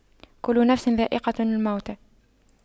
كُلُّ نَفسٍ ذَائِقَةُ المَوتِ